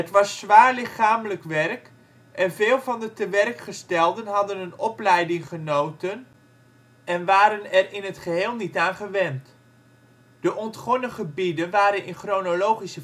was zwaar lichamelijk werk en veel van de tewerkgestelden hadden een opleiding genoten en er in het geheel niet aan gewend. De ontgonnen gebieden waren in chronologische